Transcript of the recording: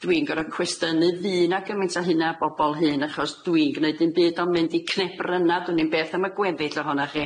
Dwi'n gor'o' cwestynu fydd 'na gymaint o hynna o bobol hŷn? Achos dwi'n gneud dim byd on' mynd i cnebryna, dwn i'm beth am y gweddill ohonach chi.